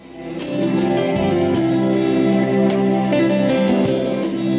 music